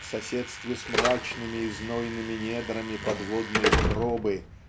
в соседстве с мрачными и знойными недрами подводной утробы